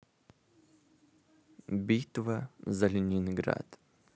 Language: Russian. битва за ленинград